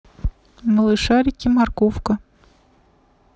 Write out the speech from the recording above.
малышарики морковка